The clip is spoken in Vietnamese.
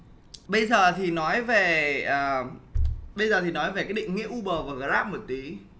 bây giờ thì nói về ờ bây giờ thì nói về cái định nghĩa u bờ và gờ ráp một tí